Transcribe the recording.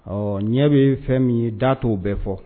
Awɔ ɲɛ bɛ min ye, da t'o bɛɛ fɔ